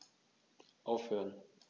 Aufhören.